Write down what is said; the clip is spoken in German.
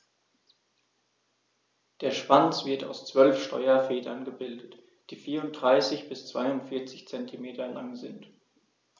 Der Schwanz wird aus 12 Steuerfedern gebildet, die 34 bis 42 cm lang sind.